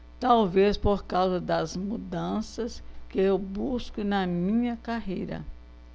talvez por causa das mudanças que eu busco na minha carreira